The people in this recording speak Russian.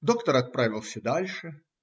Доктор отправился дальше.